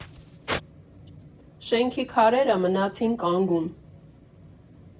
Շենքի քարերը մնացին կանգուն։